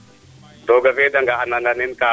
roga feeda nga a nana nen kaa